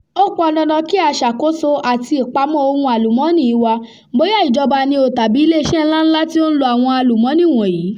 Ó pọn dandan kí a ṣàkóso àti ìpamọ́ ohun àlùmọ́ọ́nì wa, bóyá ìjọba ni o tàbí iléeṣẹ́ ńláńlá tí ó ń lo àwọn àlùmọ́ọ́nì wọ̀nyí.